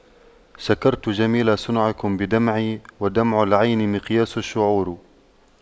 شكرت جميل صنعكم بدمعي ودمع العين مقياس الشعور